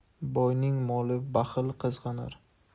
boyning molini baxil qizg'anar